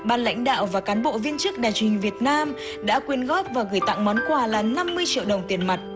ban lãnh đạo và cán bộ viên chức đài truyền hình việt nam đã quyên góp và gửi tặng món quà là năm mươi triệu đồng tiền mặt